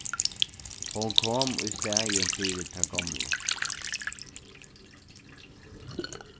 hon kom í staðin fyri ta gomlu